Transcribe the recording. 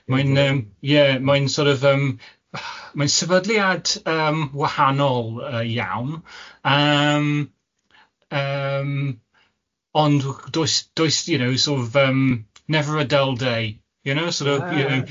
Mae'n yym ie mae'n sort of yym mae'n sefydliad yym wahanol yy iawn, yym yym ond does does you know sort of yym never a dull day you know sort of you know.